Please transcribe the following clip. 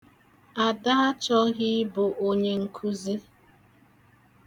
Ada achọghị ịbụ onyenkụzị.